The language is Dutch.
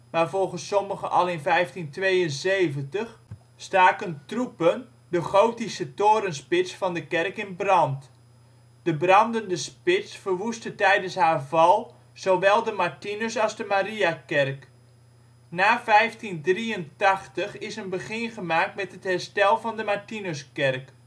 maar volgens sommigen al in 1572, staken troepen de gotische torenspits van de kerk in brand. De brandende spits verwoestte tijdens haar val zowel de Martinus - als de Mariakerk. Na 1583 is een begin gemaakt met het herstel van de Martinuskerk